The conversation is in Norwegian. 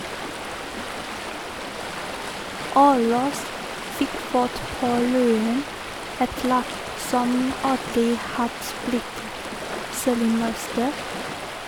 Aulas fikk fart på Lyon, et lag som aldri hadde blitt seriemester.